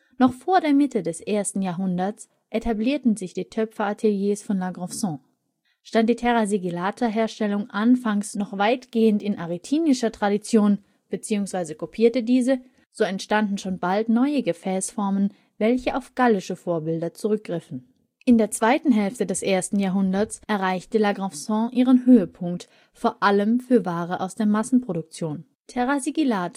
Noch vor der Mitte des ersten Jahrhunderts etablierten sich die Töpferateliers von La Graufesenque. Stand die TS-Herstellung anfangs noch weitgehend in arretinischer Tradition bzw. kopierte diese, so entstanden schon bald neue Gefäßformen, welche auf gallische Vorbilder zurückgriffen. In der zweiten Hälfte des ersten Jahrhunderts erreichte La Graufesenque ihren Höhepunkt, vor allem für Ware aus Massenproduktion. TS von La Graufesenque